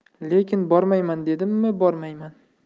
lekin bormayman dedim mi bormayman